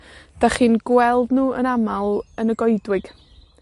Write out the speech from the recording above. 'dach chi'n gweld nw yn amal yn y goedwig.